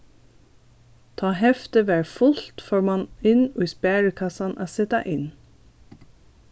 tá heftið var fult fór mann inn í sparikassan at seta inn